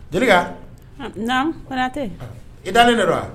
Jeilika? Naamu! Konatɛ? i dalen de don wa?